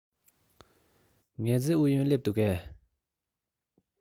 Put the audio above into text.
ངལ རྩོལ ཨུ ཡོན སླེབས འདུག གས